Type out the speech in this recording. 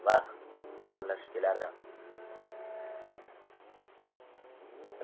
vaqt yaqinlashib kelardi